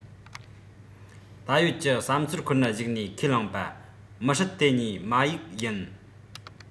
ད ཡོད ཀྱི བསམ ཚུལ ཁོ ནར གཞིགས ནས ཁས བླངས པ མི སྲིད དེ གཉིས མ ཡིག ཡིན